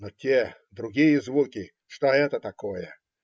Но те, другие звуки. Что это такое?